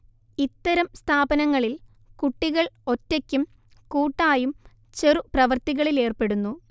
ഇത്തരം സ്ഥാപനങ്ങളിൽ കുട്ടികൾ ഒറ്റയ്ക്കും കൂട്ടായും ചെറുപ്രവൃത്തികളിലേർപ്പെടുന്നു